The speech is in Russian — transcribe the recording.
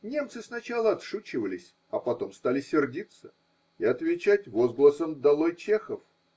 Немцы сначала отшучивались, а потом стали сердиться и отвечать возгласом: долой чехов!